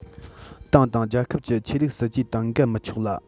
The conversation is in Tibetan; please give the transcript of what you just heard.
ཏང དང རྒྱལ ཁབ ཀྱི ཆོས ལུགས སྲིད ཇུས དང འགལ མི ཆོག ལ